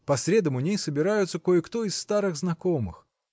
По средам у ней собираются кое-кто из старых знакомых.